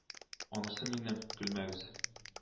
Анысы минем , көлмәгес